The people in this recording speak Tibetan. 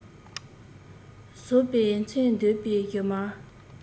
ཟོག པོའི མཚམ འདོན པའི བཞུ མར